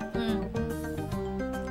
San